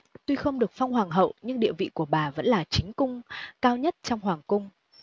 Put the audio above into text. tuy không được phong hoàng hậu nhưng địa vị của bà vẫn là chính cung cao nhất trong hoàng cung